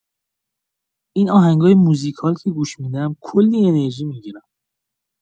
این آهنگای موزیکال که گوش می‌دم کلی انرژی می‌گیرم.